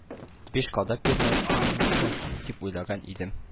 – биш кадак бирмәссеңме дип уйлаган идем